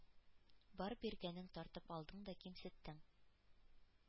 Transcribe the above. Бар биргәнең тартып алдың да кимсеттең.